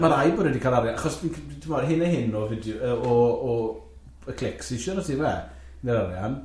Ma' rhaid bod e di cal arian, achos fi'n cy- t'mod, hyn a hyn o fideo- yy o o y clics sy isio arno ti yfe, neu'r arian.